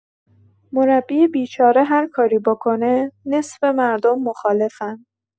مربی بیچاره هر کاری بکنه، نصف مردم مخالفن.